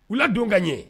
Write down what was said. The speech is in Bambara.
U ladon ka ɲɛ